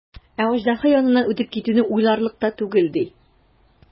Ә аждаһа яныннан үтеп китүне уйларлык та түгел, ди.